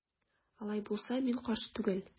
Алай булса мин каршы түгел.